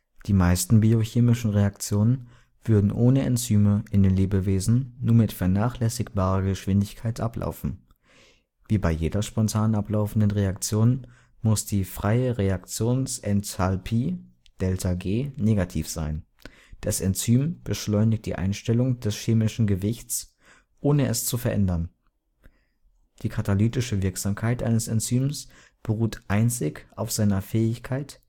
Die meisten biochemischen Reaktionen würden ohne Enzyme in den Lebewesen nur mit vernachlässigbarer Geschwindigkeit ablaufen. Wie bei jeder spontan ablaufenden Reaktion muss die freie Reaktionsenthalpie (Δ G {\ displaystyle \ Delta G}) negativ sein. Das Enzym beschleunigt die Einstellung des chemischen Gleichgewichts - ohne es zu verändern. Die katalytische Wirksamkeit eines Enzyms beruht einzig auf seiner Fähigkeit